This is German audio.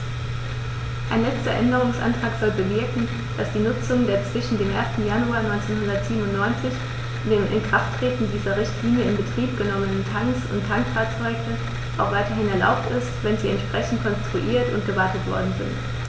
Ein letzter Änderungsantrag soll bewirken, dass die Nutzung der zwischen dem 1. Januar 1997 und dem Inkrafttreten dieser Richtlinie in Betrieb genommenen Tanks und Tankfahrzeuge auch weiterhin erlaubt ist, wenn sie entsprechend konstruiert und gewartet worden sind.